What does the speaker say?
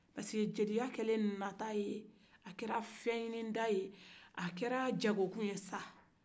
parce que jeliya kɛlen nata ye a kɛra fɛnɲinida ye a kɛra jagoku ye sa